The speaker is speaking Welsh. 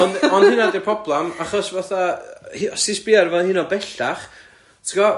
Ia, ond ond hynna ydi'r problem achos fatha hi- os ti'n sbïo arno fo hyd'n oed'n bellach ti'n gwbo'?